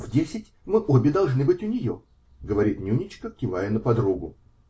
-- В десять мы обе должны быть у нее, -- говорит "Нюничка", кивая на подругу.